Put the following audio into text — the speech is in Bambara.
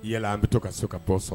Yala an bɛ to ka so ka tɔn san